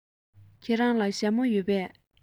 ཁྱེད རང ལ ཞྭ མོ ཡོད པས